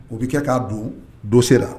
U bɛ kɛ k'a don dossier la.